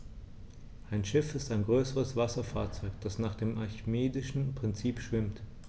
Ein Schiff ist ein größeres Wasserfahrzeug, das nach dem archimedischen Prinzip schwimmt.